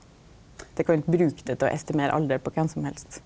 det kan ikkje bruka det til å estimera alder på kven som helst.